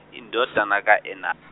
indodana ka Ena- .